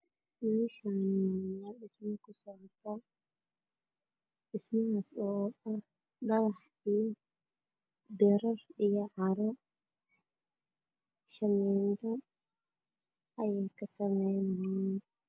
Meeshaan waa meel dhismo kusocdo dhisma haas oo ah dhagax ciid